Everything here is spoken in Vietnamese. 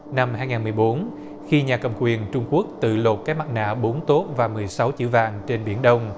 năm hai ngàn mười bốn khi nhà cầm quyền trung quốc tự lột cái mặt nạ bốn tốt và mười sáu chữ vàng trên biển đông